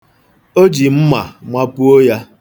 O ji mma mapuo ya.